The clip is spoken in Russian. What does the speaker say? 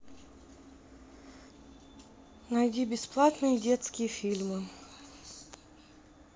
найди бесплатные детские фильмы